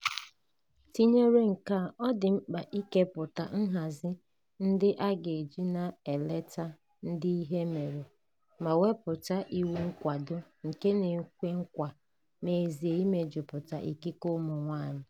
Tinyere nke a, ọ dị mkpa ikepụta nhazi ndị a ga-eji na-eleta ndị ihe mere ma wepụta iwu nkwado nke na-ekwe nkwa n'ezie imejupụta ikike ụmụ nwaanyị.